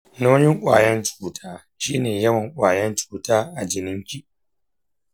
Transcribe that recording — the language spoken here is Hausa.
nauyin ƙwayan cuta shine yawan ƙwayan cutan a jininki.